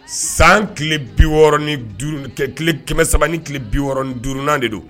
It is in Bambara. San tile bi kɛmɛ saba ni tile biɔrɔndnan de don